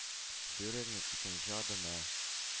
Фюрерның икенче адымы